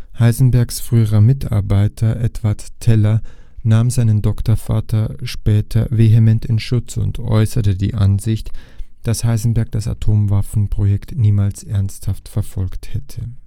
Heisenbergs früherer Mitarbeiter Edward Teller nahm seinen Doktorvater später vehement in Schutz und äußerte die Ansicht, dass Heisenberg das Atomwaffenprojekt niemals ernsthaft verfolgt hätte